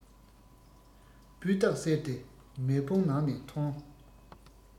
སྤུས དག གསེར དེ མེ དཔུང ནང ནས ཐོན